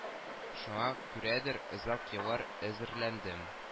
Шуңа күрәдер, озак еллар әзерләндем